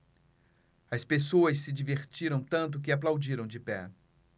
as pessoas se divertiram tanto que aplaudiram de pé